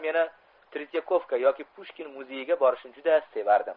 yana tretyakovka yoki pushkin muzeyiga borishni juda sevardim